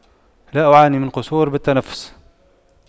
لا أعاني من قصور بالتنفس